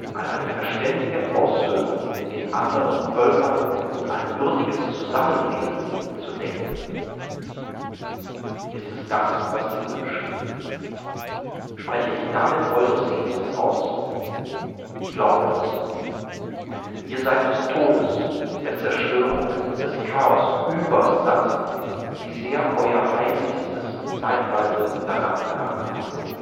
an eine verständige Aussöhnung mit den anderen Völkern und ein würdiges Zusammenleben mit ihnen zu denken! – Ist es das, was Ihr wünscht? Spreche ich damit Eure Sehnsucht aus? Ich glaube es. Ihr seid des Todes, der Zerstörung, des Chaos übersatt, wie sehr Euer Heimlichstes zeitweise danach verlangt haben